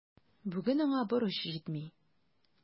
Бүген аңа борыч җитми.